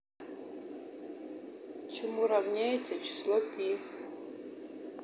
чему ровняется число пи